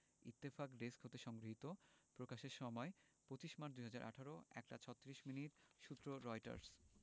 Ittefaq desk হতে সংগৃহীত প্রকাশের সময় ২৫মার্চ ২০১৮ ১ টা ৩৬ মিনিট সূত্রঃ রয়টার্স